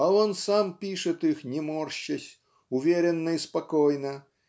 а он сам пишет их не морщась уверенно и спокойно